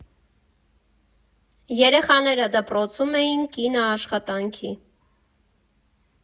Երեխաները դպրոցում էին, կինը՝ աշխատանքի։